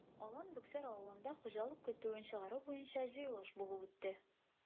Алан-Бәксәр авылында хуҗалык көтүен чыгару буенча җыелыш булып үтте.